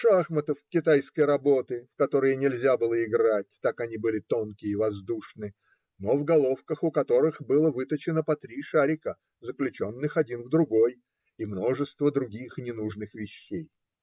Шахматов китайской работы, в которые нельзя было играть, так они были тонки и воздушны, но в головках у которых было выточено по три шарика, заключенных один в другой, и множества других ненужных вещей.